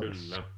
kyllä